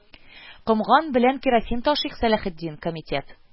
Комган белән кирасин ташый Салахетдин «Кәмитет»